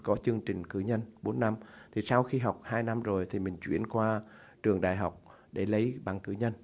có chương trình cử nhân bốn năm thì sau khi học hai năm rồi thì mình chuyển qua trường đại học để lấy bằng cử nhân